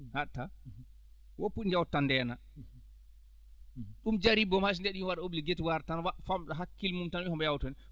haɗataa woppu ɗi njawta tan ndeena ɗum jarii bom hay so neɗɗo waɗii obligatoire tan waat famɗa hakkille mum tan wiya hobo yawta